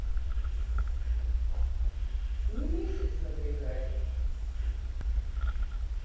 не месяц напрягает